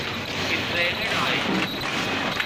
ปิดเพลงให้หน่อย